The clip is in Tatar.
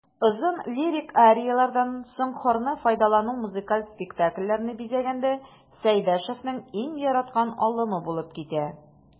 Озын лирик арияләрдән соң хорны файдалану музыкаль спектакльләрне бизәгәндә Сәйдәшевнең иң яраткан алымы булып китә.